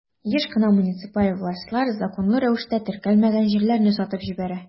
Еш кына муниципаль властьлар законлы рәвештә теркәлмәгән җирләрне сатып җибәрә.